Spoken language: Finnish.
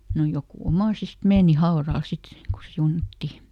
no joku omaisista meni haudalle sitten kun siunattiin